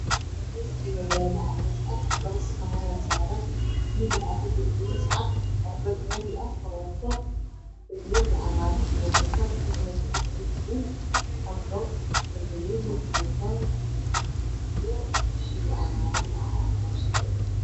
Miiis ayaa yalo cadaan ah lapa saxan ayaa saran mid waxaa ku jiro pariis cad pardho dahapi ah karooto parparooni cagaaran iyo pazal mid wa hilip gaduudan pardho parparooni pasal iyo shey cagaaran oo kooste eh